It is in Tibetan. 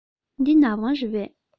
འདི ནག པང རེད པས